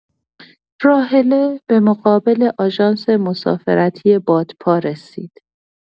راحله به مقابل آژانس مسافرتی بادپا رسید.